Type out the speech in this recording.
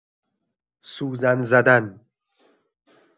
سوزن زدن